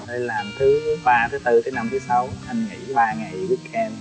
làm thứ ba thứ tư thứ năm thứ sáu anh nghỉ ba ngày guých ken